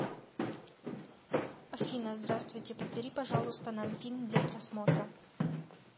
афина здравствуйте подбери пожалуйста нам фильм для просмотра